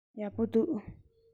ཡག པོ འདུག